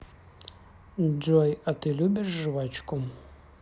джой а ты любишь жвачку